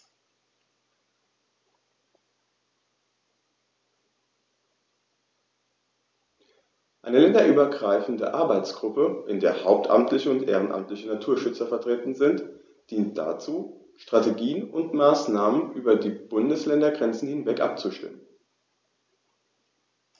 Eine länderübergreifende Arbeitsgruppe, in der hauptamtliche und ehrenamtliche Naturschützer vertreten sind, dient dazu, Strategien und Maßnahmen über die Bundesländergrenzen hinweg abzustimmen.